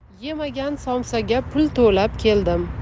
yemagan somsaga pul to'lab keldim